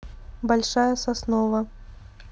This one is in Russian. большая соснова